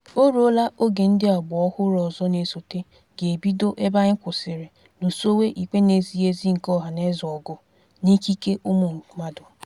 O ruola oge ndị agbaọhụrụ ọzọ na-esote ga-ebido ebe anyị kwụsịrị lụsowe ikpe na-ezighị ezi nke ọhanaeze ọgụ na ikike nke ụmụ mmadụ.